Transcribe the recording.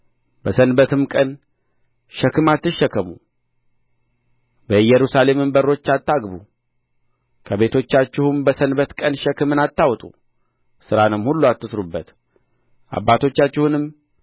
በሰንበትም ቀን ሸክም አትሸከሙ በኢየሩሳሌምም በሮች አታግቡ ከቤቶቻችሁም በሰንበት ቀን ሸክምን አታውጡ ሥራንም ሁሉ አትሥሩበት አባቶቻችሁንም